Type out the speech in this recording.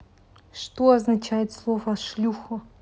что означает слово шлюха